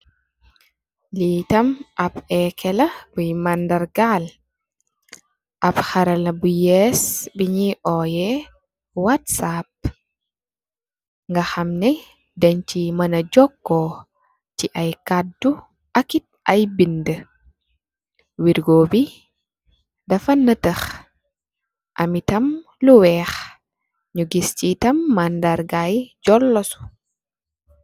Li tam am ekela bu mandargar am harare bu yess bi nyui oyeh WhatsApp nga hamnex deng si mana joko si ay kadu akit ay benda wergo bi dafa neeteh ami tam lu weex nyu gis si tam mandargay jolusu.